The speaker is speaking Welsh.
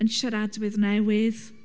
Yn siaradwyr newydd.